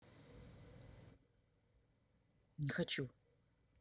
не хочу